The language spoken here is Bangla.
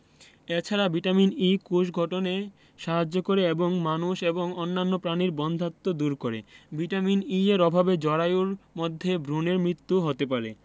এ ছাড়া ভিটামিন E কোষ গঠনে সাহায্য করে এবং মানুষ এবং অন্যান্য প্রাণীর বন্ধ্যাত্ব দূর করে ভিটামিন E এর অভাবে জরায়ুর মধ্যে ভ্রুনের মৃত্যুও হতে পারে